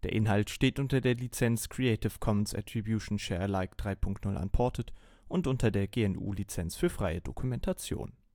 Inhalt steht unter der Lizenz Creative Commons Attribution Share Alike 3 Punkt 0 Unported und unter der GNU Lizenz für freie Dokumentation